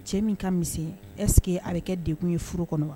Cɛ min ka mi ɛsseke arike de tun ye furu kɔnɔ